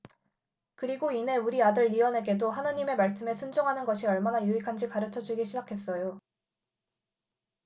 그리고 이내 우리 아들 리언에게도 하느님의 말씀에 순종하는 것이 얼마나 유익한지 가르쳐 주기 시작했어요